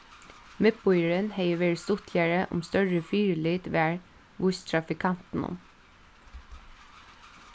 miðbýurin hevði verið stuttligari um størri fyrilit varð víst trafikantunum